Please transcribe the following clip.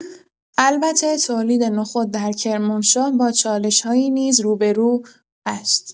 البته تولید نخود در کرمانشاه با چالش‌هایی نیز روبه‌رو است.